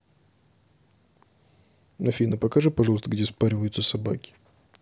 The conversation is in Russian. афина покажи пожалуйста где спариваются собаки